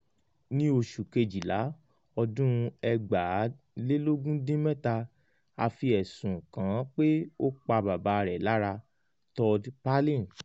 Ni osu kejila ọdun 2017, a fi ẹsun kan pe o pa baba rẹ lara, Todd Palin.